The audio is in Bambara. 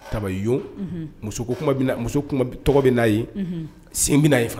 Taba on, muso ko kuma, tɔgɔ bɛ n'a ye, sen bɛ na yen fana.